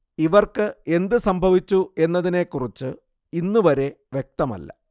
ഇവർക്ക് എന്തു സംഭവിച്ചു എന്നതിനെക്കുറിച്ച് ഇന്നുവരെ വ്യക്തമല്ല